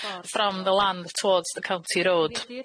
from the land towards the county road.